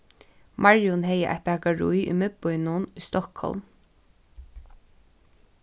marjun hevði eitt bakarí í miðbýnum í stokkholm